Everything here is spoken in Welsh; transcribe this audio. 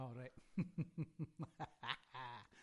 O reit .